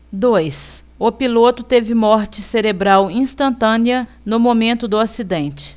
dois o piloto teve morte cerebral instantânea no momento do acidente